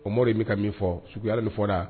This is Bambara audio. O mori in bɛ ka min fɔ suguya nin fɔda